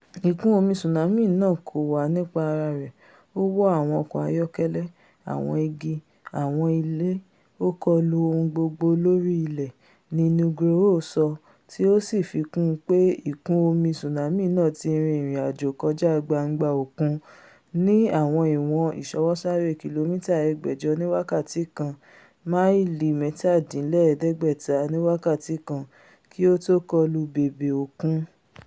Ìkún-omi tsunami náà kòwá nípa ara rẹ̀, ó wọ́ àwọn ọkọ́ ayọ́kẹ́lẹ́, àwọn igi, àwọn ilé, ó kọlu ohun gbogbo lórí ilẹ̀,'' ni Nugroho sọ, tí ó sì fikún un pé ìkún-omi tsunami náà ti rin ìrìn-àjò kọjá gbangba òkun ní àwọn ìwọ̀n ìṣọwọ́sáré kìlómítà ẹgbẹ̀jọ̀ ní wákàtí kan (máìlí 497 ní wákàtí kan) kí ó tó kọlu bèbè òkun.